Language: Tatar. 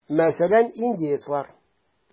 Мәсәлән, индеецлар.